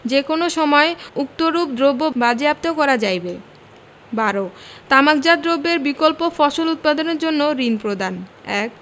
যে কোন সময় উক্তরূপ দ্রব্য বাজেয়াপ্ত করা যাইবে ১২ তামাকজাত দ্রব্যের বিকল্প ফসল উৎপাদনের জন্য ঋণ প্রদান ১